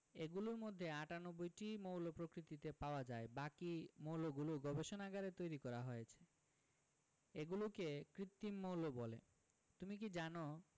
এগুলোর মধ্যে ৯৮টি মৌল প্রকৃতিতে পাওয়া যায় বাকি মৌলগুলো গবেষণাগারে তৈরি করা হয়েছে এগুলোকে কৃত্রিম মৌল বলে তুমি কি জানো